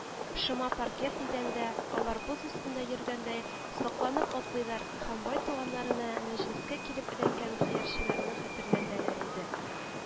Шома паркет идәндә алар боз өстендә йөргәндәй сакланып атлыйлар һәм бай туганнарына мәҗлескә килеп эләккән хәерчеләрне хәтерләтәләр иде